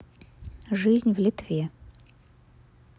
жизнь в литве